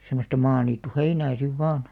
semmoista maaniittyheinää sitten vain